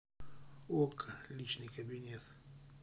окко личный кабинет